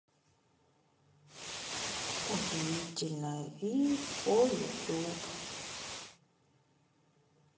удивительная ви по ютуб